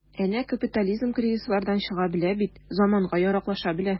Әнә капитализм кризислардан чыга белә бит, заманга яраклаша белә.